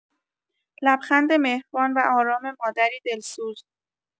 لبخند مهربان و آرام مادری دلسوز